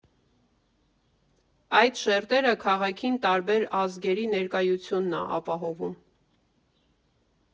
Այդ շերտերը քաղաքին տարբեր ազգերի ներկայությունն ա ապահովում։